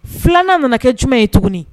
Filanan nana kɛ jumɛn ye tuguni